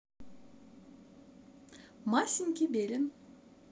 масенький белен